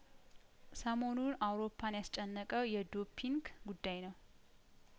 ሰሞኑን አውሮፓን ያስጨነቀው የዶፒንግ ጉዳይ ነው